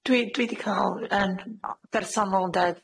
Dwi- dwi 'di ca'l yn bersonol, ynde,